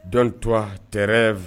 Dɔn tun tɛ